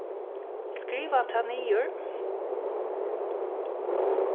skriva tað niður